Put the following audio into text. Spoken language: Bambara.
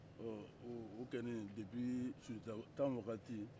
ɔ o kɔni depuis sunjata temps waati